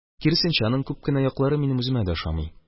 Киресенчә, аның күп кенә яклары минем үземә дә ошамый.